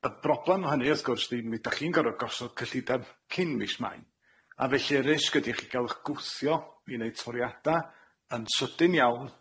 Y broblem o hynny wrth gwrs ydi mi dach chi'n goro gosod cyllideb cyn mis Mai a felly'r risg ydi chi gal eich gwthio i neud toriada yn sydyn iawn.